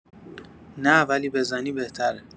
نه ولی بزنی بهتره